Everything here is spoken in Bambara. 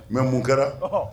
N mɛ mun kɛra